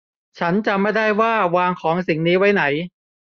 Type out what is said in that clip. ฉันจำไม่ได้ว่าวางของสิ่งนี้ไว้ไหน